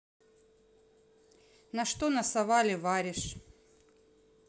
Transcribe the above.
на что насовали варишь